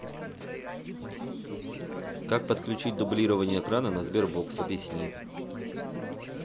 как подключить дублирование экрана на sberbox объясни